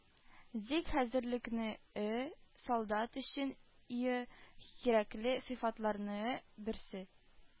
Зик хәзерлекнеө солдат өчен иө кирәкле сыйфатларныө берсе